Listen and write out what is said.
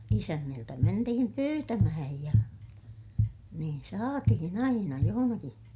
isänniltä mentiin pyytämään ja niin saatiin aina jossakin